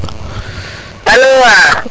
alo wa